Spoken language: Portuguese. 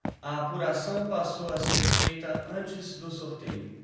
a apuração passou a ser feita antes do sorteio